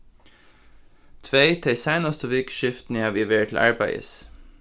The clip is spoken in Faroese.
tvey tey seinastu vikuskiftini havi eg verið til arbeiðis